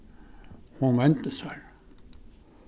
hon vendi sær